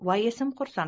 voy esim qursin